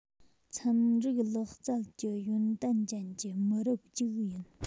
ཚན རིག ལག རྩལ གྱི ཡོན ཏན ཅན གྱི མི རབས ཅིག ཡིན